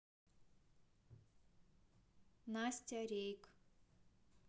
настя рейк